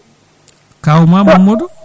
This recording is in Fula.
kawma Mamadou